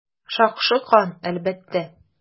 Шакшы кан, әлбәттә.